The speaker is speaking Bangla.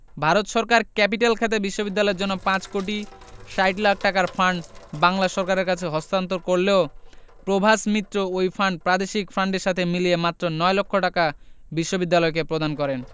ভারত সরকার ক্যাপিটেল খাতে বিশ্ববিদ্যালয়ের জন্য ৫ কোটি ৬০ লাখ টাকার ফান্ড বাংলা সরকারের কাছে হস্তান্তর করলেও প্রভাস মিত্র ওই ফান্ড প্রাদেশিক ফান্ডেলর সাথে মিলিয়ে মাত্র নয় লক্ষ টাকা বিশ্ববিদ্যালয়কে প্রদান করেন